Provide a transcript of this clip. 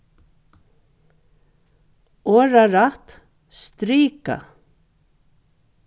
orðarætt strika